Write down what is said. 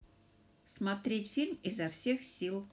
смотреть фильм изо всех сил